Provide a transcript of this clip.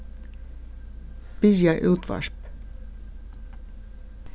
byrja útvarp